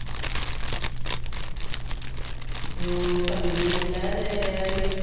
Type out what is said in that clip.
Så familien min der er litt...